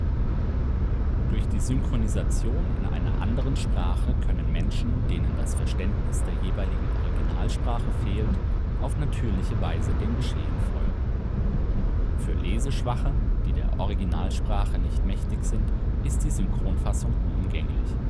Durch die Synchronisation in einer anderen Sprache können Menschen, denen das Verständnis der jeweiligen Originalsprache fehlt, auf natürliche Weise dem Geschehen folgen. Für Leseschwache, die der Originalsprache nicht mächtig sind, ist die Synchronfassung unumgänglich